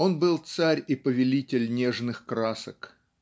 он был царь и повелитель нежных красок.